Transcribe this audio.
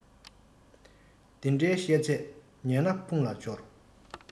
དེ འདྲའི བཤད ཚད ཉན ན ཕུང ལ སྦྱོར